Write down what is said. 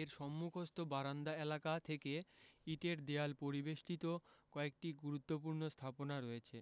এর সম্মুখস্থ বারান্দা এলাকা থেকে ইটের দেয়াল পরিবেষ্টিত কয়েকটি গুরুত্বপূর্ণ স্থাপনা রয়েছে